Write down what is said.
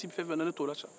et tɛ fɛn o fɛn na ne to la